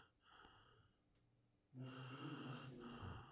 мультфильм машинки